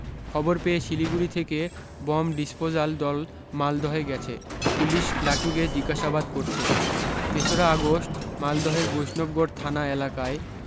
খবর পেয়ে শিলিগুড়ি থেকে বম্ব ডিসপোজাল দল মালদহে গেছে পুলিশ লাটুকে জিজ্ঞাসাবাদ করছে তেশরা আগস্ট মালদহের বৈষ্ণবগড় থানা এলাকায়